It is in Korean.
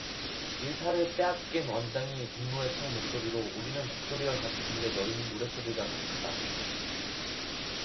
일타를 빼앗긴 원장이 분노에 찬 목소리로 우리는 곡소리가 가득한데 너희는 노랫소리가 가득하다